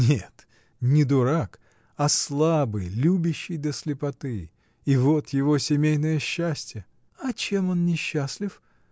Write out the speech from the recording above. — Нет, не дурак, а слабый, любящий до слепоты. И вот — его семейное счастье! — А чем он несчастлив?